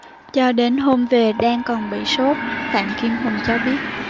cho đến hôm về đan còn bị sốt phạm kim hùng cho biết